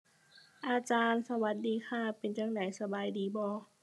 อาจารย์สวัสดีค่ะ เป็นจั่งใดสบายดีบ่